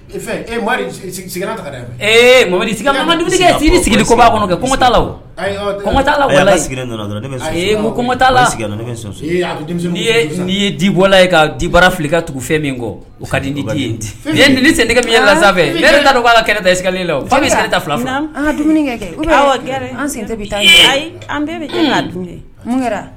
Sigi ko' kɔnɔ bɔla ka di bara filika tugu fɛn min kɔ ka di nin sen min yɛlɛ la don' la da la fa bɛ fila